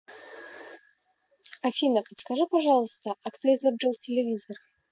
афина подскажи пожалуйста а кто изобрел телевизор